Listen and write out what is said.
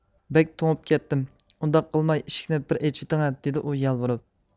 بەك توڭۇپ كەتتىم ئۇنداق قىلماي ئىشىكنى بىر ئېچىۋېتىڭا دىدى ئۇ يالۋۇرۇپ